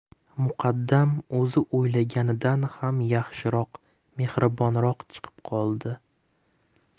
muqaddam o'zi o'ylaganidan ham yaxshiroq mehribonroq chiqib qoldi